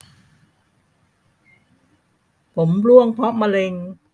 ผมร่วงเพราะมะเร็ง